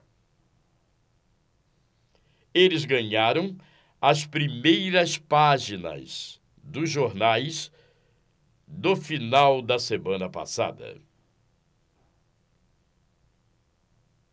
eles ganharam as primeiras páginas dos jornais do final da semana passada